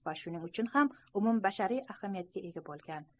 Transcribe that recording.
va shuning uchun ham umumbashariy ahamiyatga ega bo'lgan